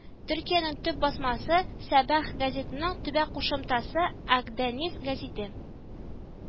Төркиянең төп басмасы Сабах гәзитенең төбәк кушымтасы Акдениз гәзите